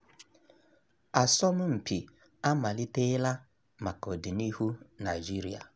Asọmụmpi amaliteela maka ọdịnihu Nigeria